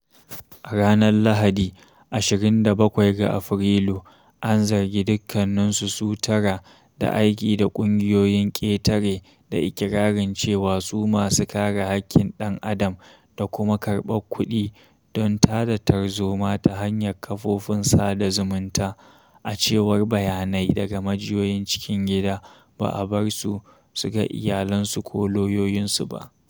A ranar Lahadi, 27 ga Afrilu, an zargi dukkaninsu su tara da aiki da ƙungiyoyin ƙetare da ke iƙirarin cewa su masu kare haƙƙin ɗan Adam da kumaa karɓar kuɗi don ta da tarzoma ta hanyar kafofin sada zumunta. A cewar bayanai daga majiyoyin cikin gida, ba a bar su, su ga iyalansu ko lauyoyinsu ba.